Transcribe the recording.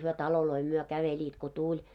he taloja myöten kävelivät kun tuli